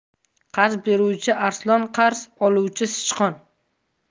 qarz beruvchi arslon qarz oluvchi sichqon